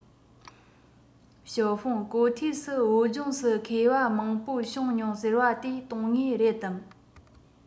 ཞའོ ཧྥུང གོ ཐོས སུ བོད ལྗོངས སུ མཁས པ མང པོ བྱུང མྱོང ཟེར བ དེ དོན དངོས རེད དམ